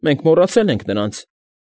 Մենք մոռացել ենք նրանց։